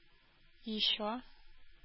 Ещё